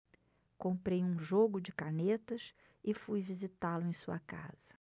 comprei um jogo de canetas e fui visitá-lo em sua casa